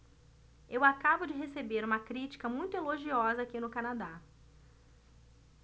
eu acabo de receber uma crítica muito elogiosa aqui no canadá